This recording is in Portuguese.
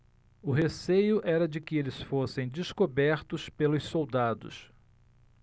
o receio era de que eles fossem descobertos pelos soldados